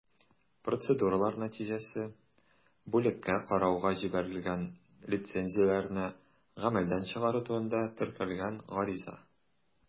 Процедуралар нәтиҗәсе: бүлеккә карауга җибәрелгән лицензияләрне гамәлдән чыгару турында теркәлгән гариза.